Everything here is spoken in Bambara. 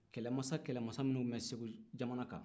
kɛlɛmansa kɛlɛmansa minnu tun bɛ segu jamana kan